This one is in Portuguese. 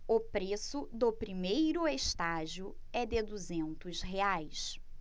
o preço do primeiro estágio é de duzentos reais